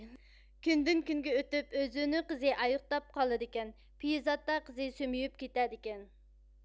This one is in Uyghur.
كۈندۈن كۈنگە ئۆتۈپ ئۆزۈنۈ قىزى ئايۇختاپ قالىدىكەن پېيىزاتتا قىزى سۆمۈيۈپ كېتەدىكەن